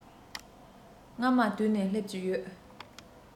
རྔ མ དུད ནས སླེབས ཀྱི ཡོད